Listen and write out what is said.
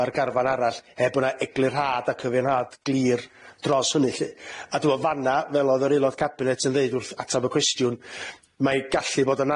A dwi'n agor y bleidlais rŵan.